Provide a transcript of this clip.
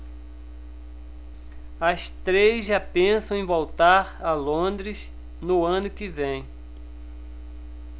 as três já pensam em voltar a londres no ano que vem